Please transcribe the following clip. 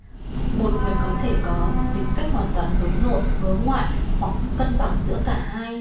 một người có thể có tính cách hoàn toàn hướng nội hướng ngoại hoặc cân bằng giữa cả hai